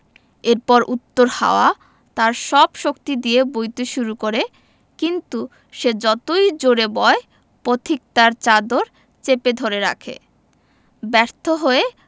এরপর উত্তর হাওয়া তার সব শক্তি দিয়ে বইতে শুরু করে কিন্তু সে যতই জোড়ে বয় পথিক তার চাদর চেপে ধরে রাখে ব্যর্থ হয়ে